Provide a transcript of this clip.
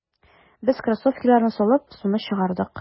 Без кроссовкаларны салып, суны чыгардык.